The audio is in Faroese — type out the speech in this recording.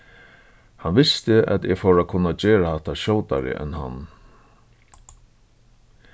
hann visti at eg fór at kunna gera hatta skjótari enn hann